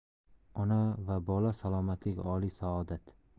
ona va bola salomatligi oliy saodat